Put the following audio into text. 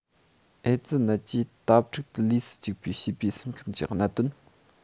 ཨེ ཙི ནད ཀྱིས དྭ ཕྲུག ཏུ ལུས སུ བཅུག པའི བྱིས པའི སེམས ཁམས ཀྱི གནད དོན